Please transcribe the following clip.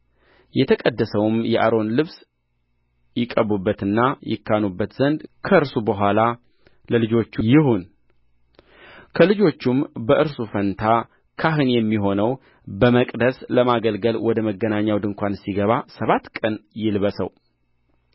የተቀደሰውም የአሮን ልብስ ይቀቡበትና ይካኑበት ዘንድ ከእርሱ በኋላ ለልጆቹ ይሁን ከልጆቹም በእርሱ ፋንታ ካህን የሚሆነው በመቅደስ ለማገልገል ወደ መገናኛው ድንኳን ሲገባ ሰባት ቀን ይልበሰው